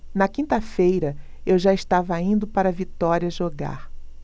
na quinta-feira eu já estava indo para vitória jogar